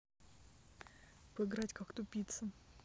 поиграть как тупица